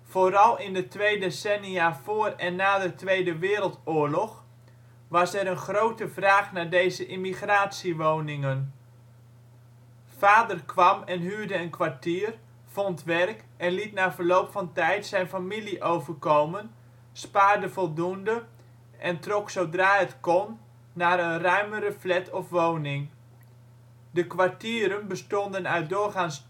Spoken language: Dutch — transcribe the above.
Vooral in de twee decennia voor en na de tweede wereldoorlog was er een grote vraag naar deze immigratie-woningen. Vader kwam en huurde een kwartier, vond werk en liet na verloop van tijd zijn familie overkomen, spaarde voldoende en trok zodra het kon naar een ruimere flat of woning. De kwartieren bestonden uit doorgaans